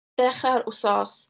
Dechrau'r wsos.